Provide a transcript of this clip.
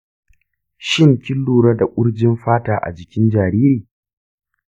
shin kin lura da ƙurjin fata a jikin jariri?